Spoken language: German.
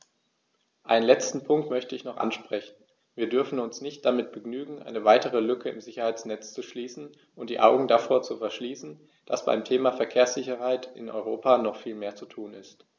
Einen letzten Punkt möchte ich noch ansprechen: Wir dürfen uns nicht damit begnügen, eine weitere Lücke im Sicherheitsnetz zu schließen und die Augen davor zu verschließen, dass beim Thema Verkehrssicherheit in Europa noch viel mehr zu tun ist.